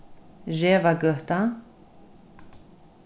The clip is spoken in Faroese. revagøta